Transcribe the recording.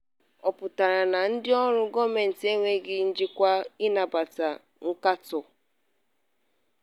Ọ pụtara na ndịọrụ gọọmentị enweghị njikwa ịnabata nkatọ?